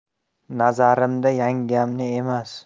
nazarimda yangamni emas